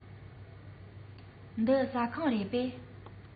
འདི ཟ ཁང རེད པས